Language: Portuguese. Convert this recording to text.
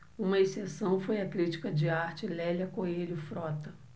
uma exceção foi a crítica de arte lélia coelho frota